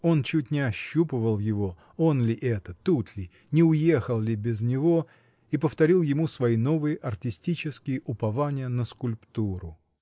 Он чуть не ощупывал его, он ли это, тут ли, не уехал ли без него, и повторил ему свои новые артистические упования на скульптуру.